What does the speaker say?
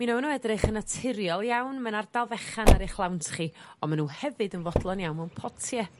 mi nawn n'w edrych yn naturiol iawn mewn ardal fechan ar eich lawnt chi on' ma' n'w hefyd yn fodlon iawn mewn potie.